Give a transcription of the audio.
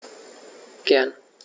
Gern.